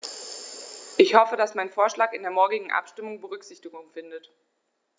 Ich hoffe, dass mein Vorschlag in der morgigen Abstimmung Berücksichtigung findet.